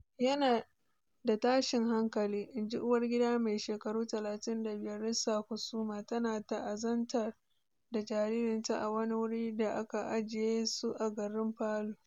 "Yana da tashin hankali," in ji uwargida mai shekaru 35, Risa Kusuma, tana ta'azantar da jaririnta a wani wuri da aka aje su a garin Palu.